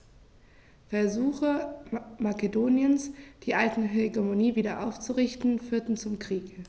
Versuche Makedoniens, die alte Hegemonie wieder aufzurichten, führten zum Krieg.